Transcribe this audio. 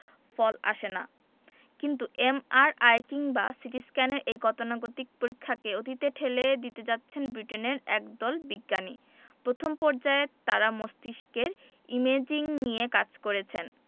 ফল আসে না কিন্তু এমআরআই কিংবা সিটিস্ক্যানের এই গতানুগতিক পরীক্ষাকে অতীতে ঠেলে দিতে যাচ্ছেন ব্রিটেনের একদল বিজ্ঞানী প্রথম পর্যায়ে তারা মস্তিষ্কের ইমেজিং নিয়ে কাজ করেছেন